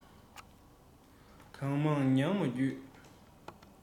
གང མང མྱངས པ བརྒྱུད